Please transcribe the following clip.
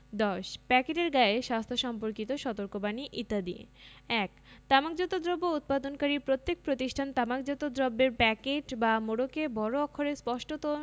১০ প্যাকেটের গায়ে স্বাস্থ্য সম্পর্কিত সতর্কবাণী ইত্যাদিঃ ১ তামাকজাত দ্রব্য উৎপাদনকারী প্রত্যক প্রতিষ্ঠান তামাকজাত দ্রব্যের প্যাকেট বা মোড়কে বড় অক্ষরে স্পষ্টত